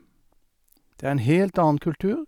Det er en helt annen kultur.